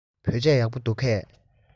བོད ཆས ཡག པོ འདུག གས